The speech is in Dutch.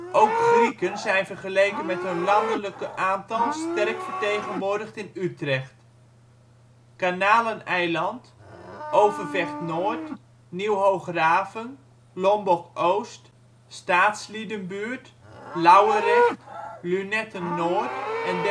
Ook Grieken zijn vergeleken met hun landelijke aantal sterk vertegenwoordigd in Utrecht. [bron?] Kanaleneiland, Overvecht-Noord, Nieuw Hoograven, Lombok-Oost, Staatsliedenbuurt, Lauwerecht, Lunetten-Noord, en